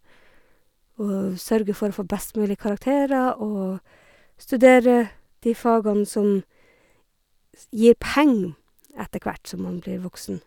Og sørge for å få best mulig karakterer og studere de fagene som s gir penger etter hvert som man blir voksen.